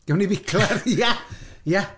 Gawn ni biclad, ia, ia!